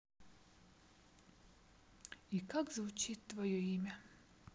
и как звучит твое имя